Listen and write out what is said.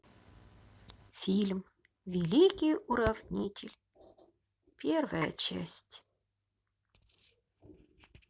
фильм великий уравнитель первая часть